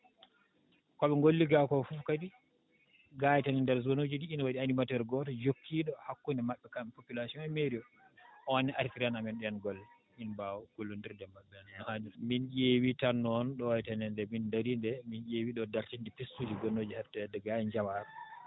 ko ɓe ngolli gaa koo fof kadi gaa tene ndeer zone uuji ɗii hina waɗi animateur gooto jokkiiɗo hakkunde maɓɓe kamɓe population oo e mairie o oon ne artirana amen ɗeen golle min mbaawa gollonndirde e maɓɓe no haannirta min ƴeewii tan noon ɗo tan e nde min ndarii ndee min ƴeewi ɗo dartinde piste uji gonnoo ɗi hedde gaa e Diawara